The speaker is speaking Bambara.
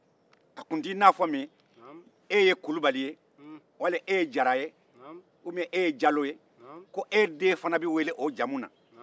a tun tɛ i n'a fɔ min e ye kulibali wali e ye jara ye ubiyɛn e ye jalo ye ko e den fana bɛ wele o jamu na